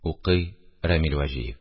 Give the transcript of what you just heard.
Укый Рәмил Вәҗиев